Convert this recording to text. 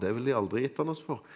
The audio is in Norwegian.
det ville de aldri gitt han oss for.